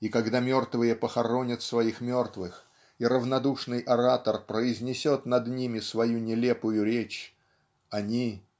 и когда мертвые похоронят своих мертвых и равнодушный оратор произнесет над ними свою нелепую речь они